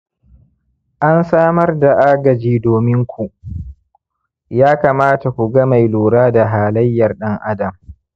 an samar da agaji domin ku/ya kamata ku ga mai lura da halayyar ɗan-adam